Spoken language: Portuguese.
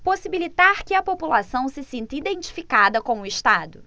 possibilitar que a população se sinta identificada com o estado